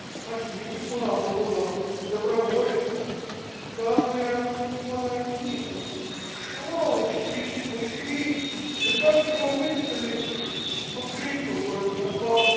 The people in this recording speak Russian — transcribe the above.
а с ними баба была - доброволица, та прямо на него накинулась. сволочь! кричит, большевик! да как в него выстрелит. он крикнул только, упал.